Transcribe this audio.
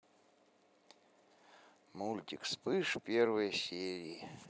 мультик вспыш первые серии